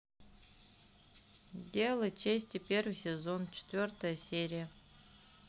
дело чести первый сезон четвертая серия